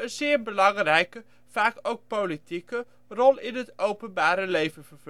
zeer belangrijke - vaak ook politieke - rol in het openbare leven